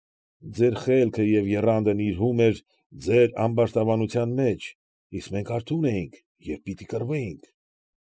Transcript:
Ձեր խելքը և եռանդը նիրհում էր ձեր ամբարտավանության մեջ, իսկ մենք արթուն էինք և պիտի կռվեինք։